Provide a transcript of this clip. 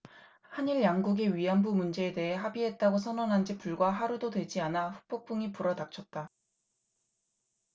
한일 양국이 위안부 문제에 대해 합의했다고 선언한 지 불과 하루도 되지 않아 후폭풍이 불어 닥쳤다